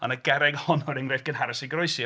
Ond y garreg honno yr enghraifft gynharaf sy'n goroesi.